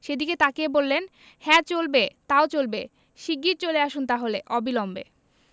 সেদিকে তাকিয়ে বললেন হ্যাঁ চলবে তাও চলবে শিগগির চলে আসুন তাহলে অবিলম্বে